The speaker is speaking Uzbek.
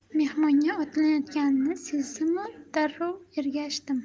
mehmonga otlanayotganini sezdimu darrov ergashdim